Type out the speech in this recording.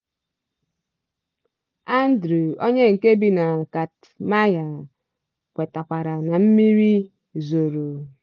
Andrew onye nke bi na Katamyya kwetakwara na mmiri zoro!